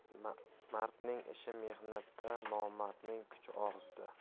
mardning ishi mehnatda nomardning kuchi og'zida